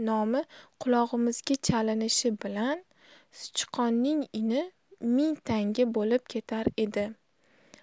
nomi qulog'imizga chalinishi bilan sichqonning ini ming tanga bo'lib ketar edi